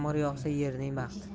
yomg'ir yog'sa yerning baxti